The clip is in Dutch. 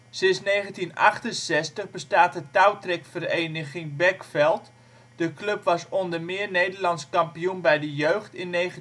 1968 bestaat de Touwtrekvereniging Bekveld (TTV Bekveld). De club was onder meer Nederlands kampioen bij de jeugd (1970